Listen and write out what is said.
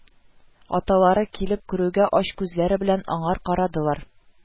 Аталары килеп керүгә ач күзләре белән аңар карадылар